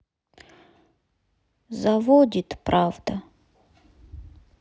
заводит правда